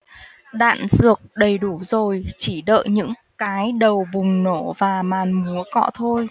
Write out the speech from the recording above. đạn dược đầy đủ rồi chỉ đợi những cái đầu bùng nổ và màn múa cọ thôi